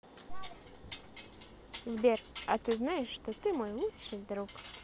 сбер а ты знаешь что ты мой лучший друг